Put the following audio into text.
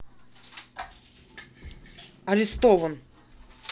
арестован